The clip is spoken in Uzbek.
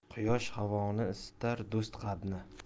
quyosh havoni isitar do'st qalbni